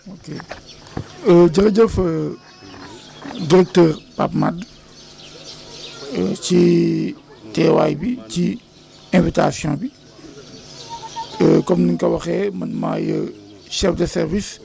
ok jërëjëf directeur Pape Madd ci teewaay bi ci invitation bi comme ni nga ko waxee man maay chef de service